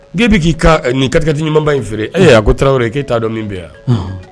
'e bɛ k'i ni karidi ɲumanba in feere e a ko tarawelew ye k'e t'a dɔn min bɛ yan